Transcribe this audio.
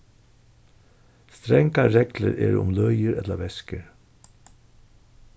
strangar reglur er um løgir ella veskur